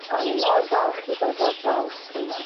O'n i mor falch i ddod ar draws hwnna.